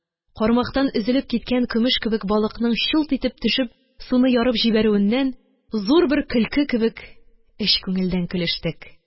Кармактан өзелеп киткән көмеш кебек балыкның чулт итеп төшеп суны ярып җибәрүеннән, зур бер көлке кебек, эч күңелдән көлештек...